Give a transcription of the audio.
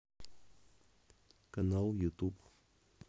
канал ютюб